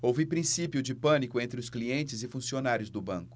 houve princípio de pânico entre os clientes e funcionários do banco